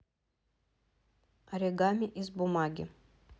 оригами из бумаги